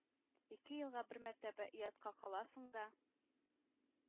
Ике елга бер мәртәбә оятка каласың да